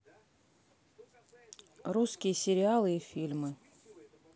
русские сериалы и фильмы